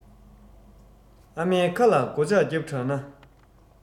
ཨ མའི ཁ ལ སྒོ ལྕགས བརྒྱབ དྲགས ན